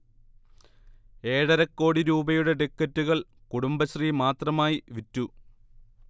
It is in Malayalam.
ഏഴരക്കോടി രൂപയുടെ ടിക്കറ്റുകൾ കുടുംബശ്രീ മാത്രമായി വിറ്റു